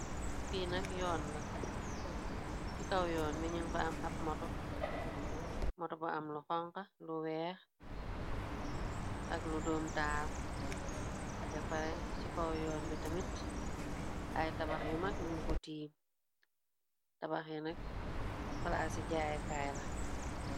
Fii nak yoon la ci kaw yoon bi nin fa ab tmoto bu am lu kouka lu wax ak lu dumetahal bi pare ci kaw yoon bi tamit ay tabax yu mag ñu ko tiim tabax yi nak palaa ci jaayekaay la.